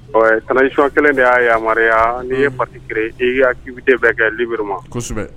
Ɔ kanasi kelen de y'a yamaruyaya n'i ye pakiur ibi de bɛ kɛ libi ma kosɛbɛ